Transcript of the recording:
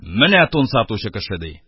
«менә тун сатучы кеше!» — ди...